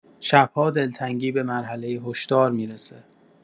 شب‌ها دلتنگی به مرحله هشدار می‌رسه!